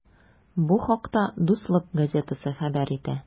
Бу хакта “Дуслык” газетасы хәбәр итә.